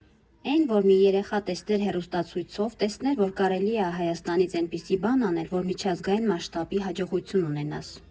Էն, որ մի երեխա տեսներ հեռուստացույցով, տեսներ, որ կարելի ա Հայաստանից էնպիսի բան անել, որ միջազգային մասշտաբի հաջողություն ունենաս։